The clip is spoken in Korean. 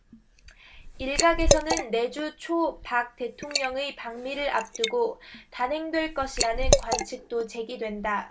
일각에서는 내주 초 박 대통령의 방미를 앞두고 단행될 것이라는 관측도 제기된다